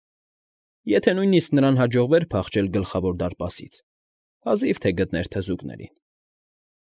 Եթե նույնիսկ նրան հաջողվեր փախչել գլխավոր դարպասից, հազիվ թե գտներ թզուկներին։